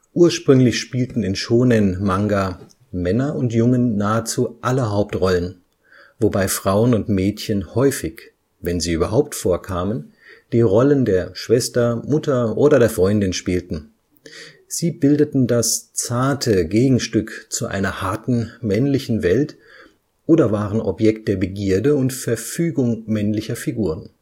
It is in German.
Ursprünglich spielten in Shōnen-Manga Männer und Jungen nahezu alle Hauptrollen, wobei Frauen und Mädchen häufig, wenn sie überhaupt vorkamen, die Rollen der Schwester, Mutter oder der Freundin spielten. Sie bildeten das „ zarte “Gegenstück zu einer harten, männlichen Welt oder waren Objekt der Begierde und Verfügung männlicher Figuren